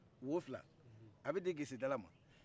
wo fila abɛ di gesedala ma